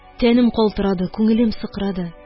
Тәнем калтырады, күңелем сыкрады